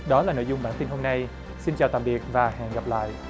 đó là nội dung bản tin hôm nay xin chào tạm biệt và hẹn gặp lại